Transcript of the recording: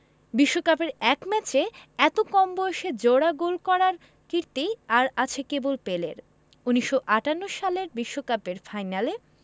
বিশ্বকাপের এক ম্যাচে এত কম বয়সে জোড়া গোল করার কীর্তি আর আছে কেবল পেলের ১৯৫৮ বিশ্বকাপের ফাইনালে